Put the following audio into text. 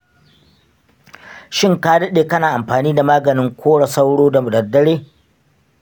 shin ka dade kana amfani da maganin kora sauro da daddare?